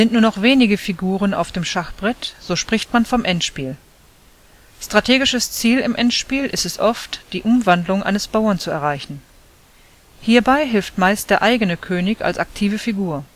noch wenige Figuren auf dem Schachbrett, so spricht man vom Endspiel. Strategisches Ziel im Endspiel ist es oft, die Umwandlung eines Bauern zu erreichen. Hierbei hilft meist der eigene König als aktive Figur